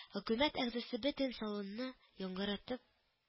Хөкүмәт әгъзасы бөтен салонны яңгыратып